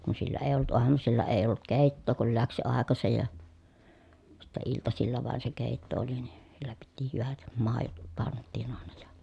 kun sillä ei ollut aamusilla ei ollut keittoa kun lähti jo aikaiseen ja sitten iltasilla vain se keitto oli niin sillä piti hyvät maidot pantiin aina ja